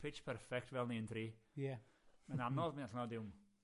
pitch perfect fel ni'n dri. Ie. Ma'n anodd os nad yw'n